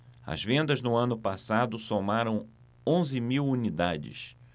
as vendas no ano passado somaram onze mil unidades